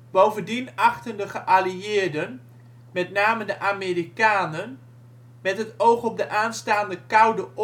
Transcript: Bovendien achtten de geallieerden (met name de Amerikanen) met het oog op de aanstaande Koude